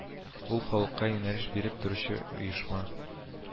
Ул халыкка юнәлеш биреп торучы оешма